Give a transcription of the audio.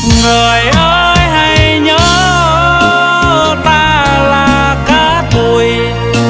người ơi hãy nhớ ta là cát bụi